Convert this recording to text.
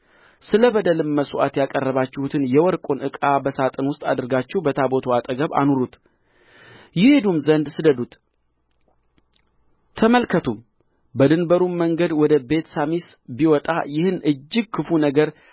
ስለ በደልም መሥዋዕት ያቀረባችሁትን የወርቁን ዕቃ በሣጥን ውስጥ አድርጋችሁ በታቦቱ አጠገብ አኑሩት ይሄድም ዘንድ ስደዱት ተመልከቱም በድንበሩም መንገድ ወደ ቤትሳሚስ ቢወጣ ይህን እጅግ ክፉ ነገር